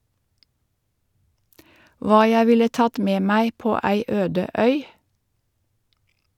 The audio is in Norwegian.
Hva jeg ville tatt med meg på ei øde øy?